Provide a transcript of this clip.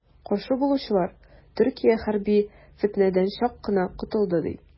Каршы булучылар, Төркия хәрби фетнәдән чак кына котылды, ди.